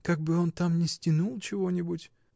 Как бы он там не стянул чего-нибудь!